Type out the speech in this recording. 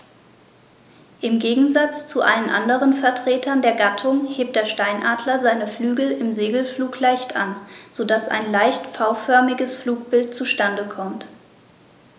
Im Gegensatz zu allen anderen Vertretern der Gattung hebt der Steinadler seine Flügel im Segelflug leicht an, so dass ein leicht V-förmiges Flugbild zustande kommt.